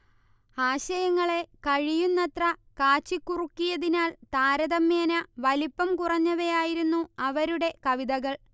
ആശയങ്ങളെ കഴിയുന്നത്ര കാച്ചിക്കുറുക്കിയതിനാൽ താരതമ്യേന വലിപ്പം കുറഞ്ഞവയായിരുന്നു അവരുടെ കവിതകൾ